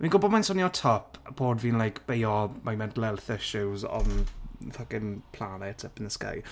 Fi'n gwybod mae'n swnio'n twp bod fi'n beio my mental health issues on the fucking planet up in the sky.